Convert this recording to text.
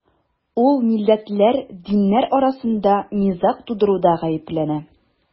Ул милләтләр, диннәр арасында низаг тудыруда гаепләнә.